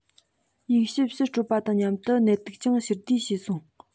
ཡིག ཤུབས ཕྱིར སྤྲད པ དང མཉམ དུ ནད དུག ཀྱང ཕྱིར སྡུད བྱས སོང